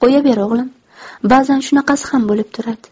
qo'yaver o'g'lim bazan shunaqasi ham bo'lib turadi